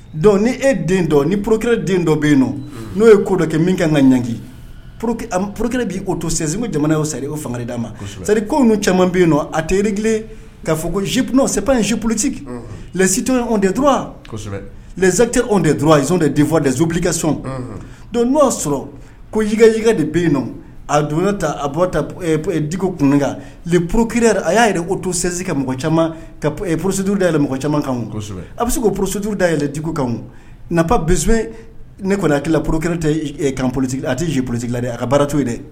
Dɔnkuc ni e den dɔ ni porourki den dɔ bɛ yen nɔ n'o ye ko dɔ kɛ min ka ka ɲ porourkɛ bɛ'o to sinsin jamana ye o sari oo fan d'a ma seri ko n ni caman bɛ yen nɔ a tɛ kaa fɔ ko jip n'o sep si politi lɛsitu ye de zte deurawa de denfa dɛ zupli ka sɔn don n'o'a sɔrɔ ko jijika de bɛ yen nɔ a donna ta a bɔ di kunkan poro a y'a yɛrɛ o to sinsin ka mɔgɔ caman porotuuru daɛlɛn mɔgɔ camankan a bɛ se koo porouruda da yɛlɛɛlɛndugukan nap bɛ ne kɔnikila poroteoli a tɛ ji polisi la dɛ a ka baarato ye dɛ